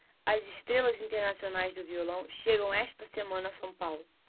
as estrelas internacionais do violão chegam esta semana a são paulo